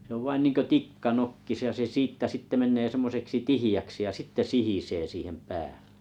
se on vain niin kuin tikka nokkisi ja se siitä sitten menee semmoiseksi tiheäksi ja sitten sihisee siihen päälle